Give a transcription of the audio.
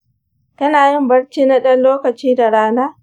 kana yin barci na ɗan lokaci da rana?